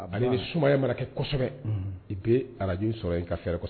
Ani ni sumaya mana kɛ kosɛbɛ i bɛ araji sɔrɔ yen ka fɛɛrɛ kɔ